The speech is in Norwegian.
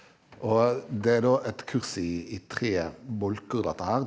og det er da et kurs i i tre bolker dette her.